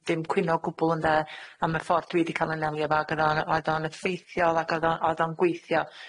dim cwyno o gwbwl ynde, am y ffordd dwi 'di ca'l 'yn nelio efo, ag o'dd o'n- oedd o'n effeithiol, ag o'dd- o oedd o'n gweithio.